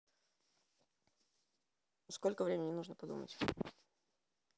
сколько времени нужно подумать